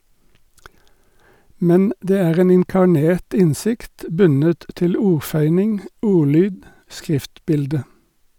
Men det er en inkarnert innsikt, bundet til ordføyning , ordlyd , skriftbilde.